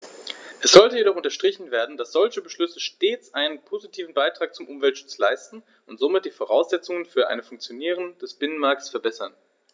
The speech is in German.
Es sollte jedoch unterstrichen werden, dass solche Beschlüsse stets einen positiven Beitrag zum Umweltschutz leisten und somit die Voraussetzungen für ein Funktionieren des Binnenmarktes verbessern.